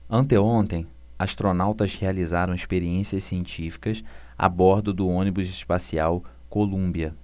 anteontem astronautas realizaram experiências científicas a bordo do ônibus espacial columbia